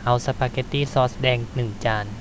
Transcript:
เอาสปาเก็ตตี้ซอสแดงหนึ่งจาน